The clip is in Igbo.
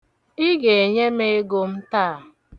Ị ga-enye m ego m taa.